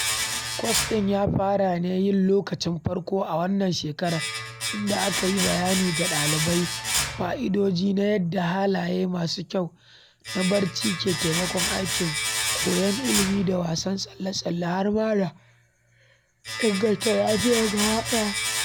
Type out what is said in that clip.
Kwas ɗin ya fara ne yin lokacin farko a wannan shekarar, inda aka yi bayani ga dalibai fa’idoji na yadda halaye masu kyau na barci ke taimakon aikin koyon ilimi da wasan tsalle-tsalle, har ma da inganta lafiyarsu gaba ɗaya.